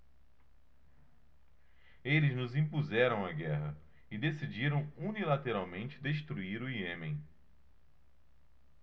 eles nos impuseram a guerra e decidiram unilateralmente destruir o iêmen